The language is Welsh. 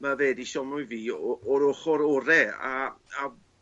ma' fe di siomi fi o o'r ochor ore' a a